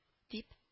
Дип